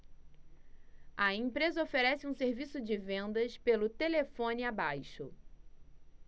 a empresa oferece um serviço de vendas pelo telefone abaixo